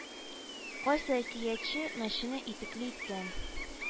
КАЙСЫ ӘКИЯТЧЕ МӘЧЕНЕ ИТЕКЛЕ ИТКӘН